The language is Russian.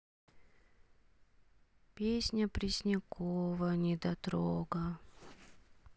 песня преснякова недотрога